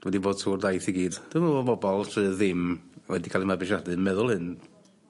Dw wedi bod trw'r daith i gyd. Dwi'm yn me'wl bobol sy ddim wedi ca'l 'u mabwysiadu yn meddwl 'yn